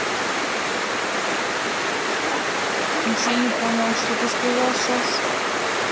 ничего не понял что ты сказал щас